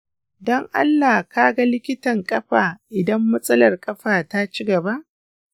don allah ka ga likitan ƙafa idan matsalar ƙafa ta ci gaba.